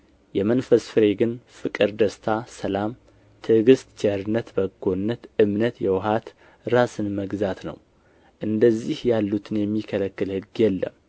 የመንፈስ ፍሬ ግን ፍቅር ደስታ ሰላም ትዕግሥት ቸርነት በጎነት እምነት የውሃት ራስን መግዛት ነው እንደዚህ ያሉትን የሚከለክል ሕግ የለም